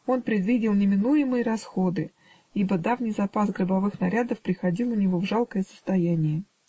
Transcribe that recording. Он предвидел неминуемые расходы, ибо давний запас гробовых нарядов приходил у него в жалкое состояние.